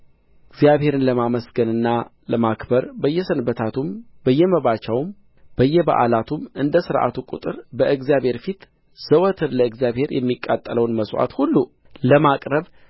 እግዚአብሔርን ለማመስገንና ለማክበር በየሰንበታቱም በየመባቻዎቹም በየበዓላቱም እንደ ሥርዓቱ ቍጥር በእግዚአብሔር ፊት ዘወትር ለእግዚአብሔር የሚቃጠለውን መሥዋዕት ሁሉ ለማቅረብ